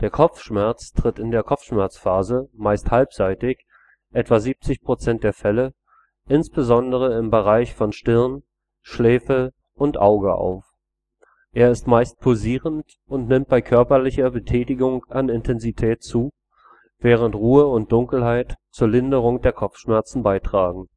Kopfschmerz tritt in der Kopfschmerzphase meistens halbseitig (etwa 70 % der Fälle), insbesondere im Bereich von Stirn, Schläfe und Auge, auf. Er ist meist pulsierend und nimmt bei körperlicher Betätigung an Intensität zu, während Ruhe und Dunkelheit zur Linderung der Kopfschmerzen beitragen